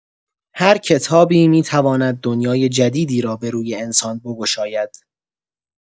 هر کتابی می‌تواند دنیای جدیدی را به روی انسان بگشاید.